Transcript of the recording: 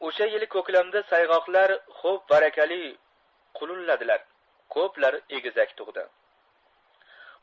o'sha yili ko'klamda sayg'oqlar xo'p barakali qulunladilar ko'plari egizak tug'di